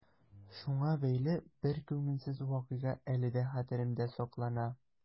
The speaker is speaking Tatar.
Шуңа бәйле бер күңелсез вакыйга әле дә хәтеремдә саклана.